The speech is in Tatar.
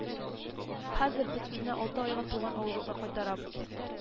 Хәзер без сезне алты айга туган авылыгызга кайтарабыз